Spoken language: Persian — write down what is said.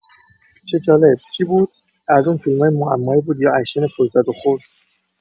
چه جالب، چی بود؟ از اون فیلمای معمایی بود یا اکشن پر زد و خورد؟